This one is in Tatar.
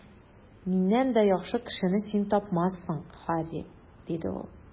Миннән дә яхшырак кешене син тапмассың, Һарри, - диде ул.